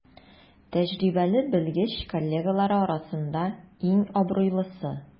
Тәҗрибәле белгеч коллегалары арасында иң абруйлысы.